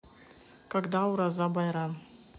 когда ураза байрам